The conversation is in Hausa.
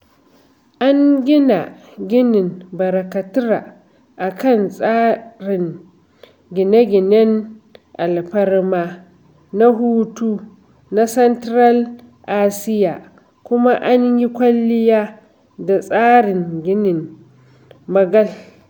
An gina ginin Bara Katra a kan tsarin gine-ginen alfarma na hutu na Central Asiya kuma an yi kwalliya da tsarin ginin Mughal.